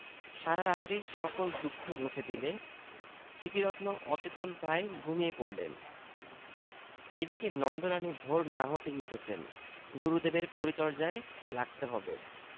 সারারাত্রির সকল দুঃখ মুছে দিলে স্মৃতিরত্ন অচেতনপ্রায় ঘুমিয়ে পড়লেন এদিকে নন্দরানী ভোর না হতেই উঠেছেন গুরুদেবের পরিচর্যায় লাগতে হবে